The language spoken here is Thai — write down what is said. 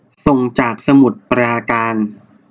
ส่งจากสมุทรปราการ